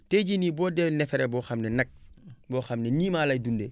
tey jii nii boo dee neefere boo xam ne nag boo xam ne niimaa lay dundee